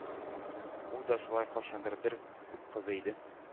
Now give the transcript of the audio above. Ул да шулай кайчандыр бер күк кызы иде,